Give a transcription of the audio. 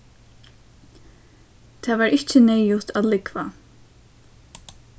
tað var ikki neyðugt at lúgva